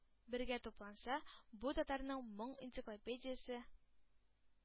Бергә тупланса, бу – татарның моң энциклопедиясе